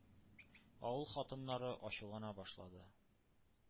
Авыл хатыннары ачулана башлады.